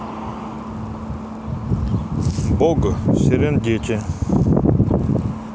бог серенгети